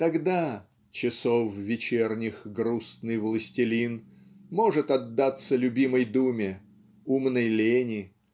-- тогда "часов вечерних грустный властелин" может отдаться любимой думе умной лени